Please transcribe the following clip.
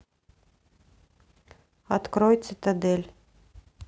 открой цитадель